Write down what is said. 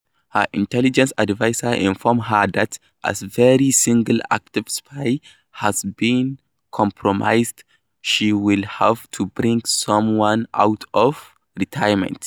Her intelligence advisers inform her that as every single active spy has been compromised, she will have to bring someone out of retirement.